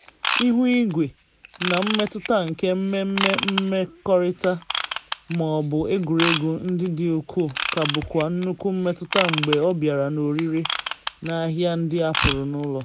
Ihuigwe na mmetụta nke mmemme mmerịkọta ma ọ bụ egwuregwu ndị dị ukwuu ka bụkwa nnukwu mmetụta mgbe ọ bịara n’ọrịre n’ahịa ndị apụrụ n’ụlọ.